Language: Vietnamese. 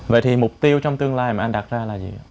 vậy thì mục tiêu trong tương lai mà anh đặt ra là gì